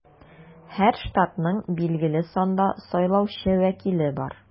Һәр штатның билгеле санда сайлаучы вәкиле бар.